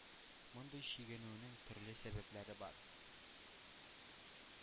Мондый чигенүнең төрле сәбәпләре бар.